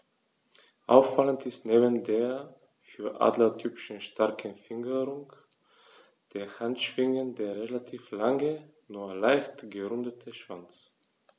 Auffallend ist neben der für Adler typischen starken Fingerung der Handschwingen der relativ lange, nur leicht gerundete Schwanz.